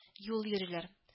Юл йөриләр